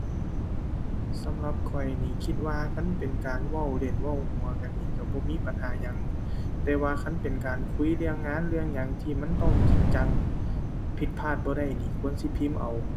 สำหรับข้อยนี่คิดว่า คันเป็นการเว้าเล่นเว้าหัวกันนี้ ก็บ่มีปัญหาหยัง แต่ว่าคันเป็นการคุยเรื่องงานเรื่องหยังที่มันต้องจริงจัง ผิดพลาดบ่ได้นี่ ควรสิพิมพ์เอา